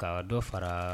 K ka dɔ fara